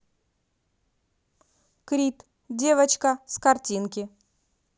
крид девочка с картинки